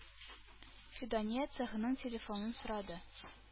Фидания цехның телефонын сорады.